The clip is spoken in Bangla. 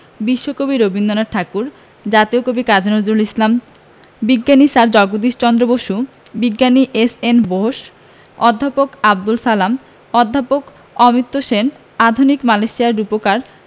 বিশ্বকবি রবীন্দ্রনাথ ঠাকুর জাতীয় কবি কাজী নজরুল ইসলাম বিজ্ঞানী স্যার জগদীশ চন্দ্র বসু বিজ্ঞানী এস.এন বোস অধ্যাপক আবদুস সালাম অধ্যাপক অমর্ত্য সেন আধুনিক মালয়েশিয়ার রূপকার